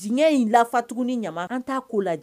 Diɲɛ in lafat ni ɲama an' ko lajɛ